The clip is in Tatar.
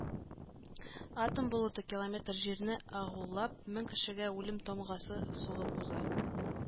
Атом болыты километр җирне агулап мең кешегә үлем тамгасы сугып уза.